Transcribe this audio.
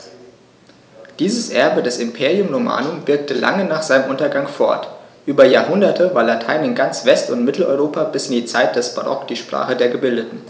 Dieses Erbe des Imperium Romanum wirkte lange nach seinem Untergang fort: Über Jahrhunderte war Latein in ganz West- und Mitteleuropa bis in die Zeit des Barock die Sprache der Gebildeten.